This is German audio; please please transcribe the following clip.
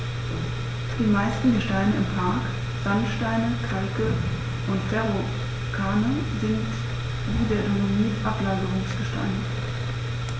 Die meisten Gesteine im Park – Sandsteine, Kalke und Verrucano – sind wie der Dolomit Ablagerungsgesteine.